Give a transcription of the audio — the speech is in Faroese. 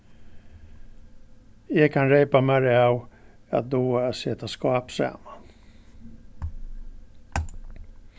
eg kann reypa mær av at duga at seta skáp saman